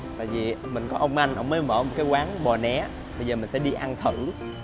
tại dì mình có ông anh ổng mới mở một cái quán bò né bây giờ mình sẽ đi ăn thử